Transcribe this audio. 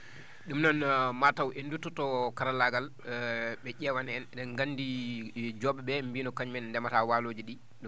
?um noon mataw en duttoto to karallaagal ?e ?ewana en e?en nganndi Dio?e?e mbino kañumen ndemataa waalooji ?ii